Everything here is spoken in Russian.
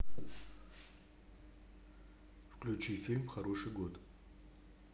включи фильм хороший год